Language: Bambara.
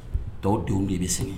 Tɔw denw de be sɛŋɛn